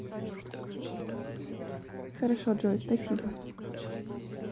хорошо джой спасибо